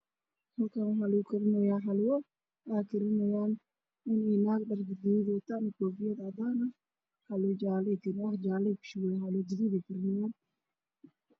Halkaan waxa lagu karinayaa xalwo